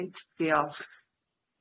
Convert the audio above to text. Reit diolch.